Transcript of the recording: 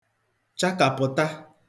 chakàpụ̀ta